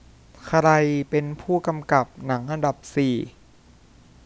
ใครเป็นผู้กำกับหนังอันดับสาม